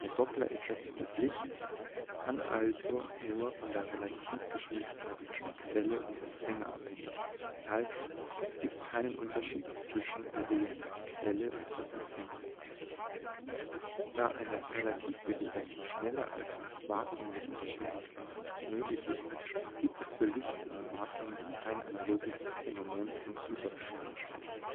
Dopplereffekt des Lichts kann also nur von der Relativgeschwindigkeit von Quelle und Empfänger abhängen, das heißt, es gibt keinen Unterschied zwischen Bewegung der Quelle und des Empfängers. Da eine Relativbewegung schneller als mit Vakuumlichtgeschwindigkeit nicht möglich ist, gibt es für Licht im Vakuum kein analoges Phänomen zum Überschallknall